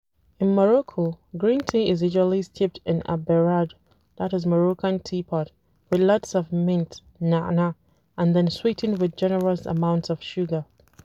In Morocco, green tea is usually steeped in a berrad (Moroccan teapot) with lots of mint (na'na’) and then sweetened with generous amounts of sugar.